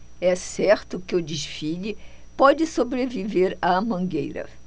é certo que o desfile pode sobreviver à mangueira